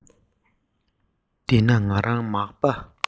འདི ན ང རང མག པ